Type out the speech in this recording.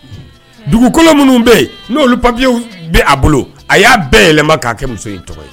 Dugukolo minnu bɛ yen n' olu papiye bolo a ya bɛɛ yɛlɛma'a kɛ muso tɔgɔ ye